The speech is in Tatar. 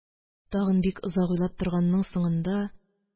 Тагын бик озак уйлап торганның соңында: